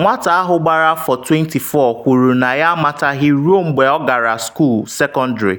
Nwata ahụ gbara afọ 24 kwuru na ya amataghị ruo mgbe ọ gara skuul sekọndịrị